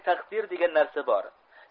taqdir degan narsa bor